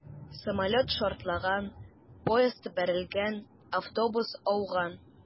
Самолет шартлаган, поезд бәрелгән, автобус ауган...